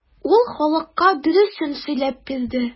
Ул халыкка дөресен сөйләп бирде.